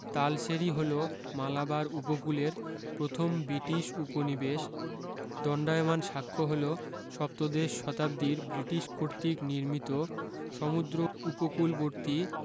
তালসেরি হল মালাবার উপকূলের প্রথম ব্রিটিশ উপনিবেশ দন্ডায়মান সাক্ষ্য হল সপ্তদশ শতাব্দীর ব্রিটিশ কর্তৃক নির্মিত সমুদ্র উপকূলবর্তী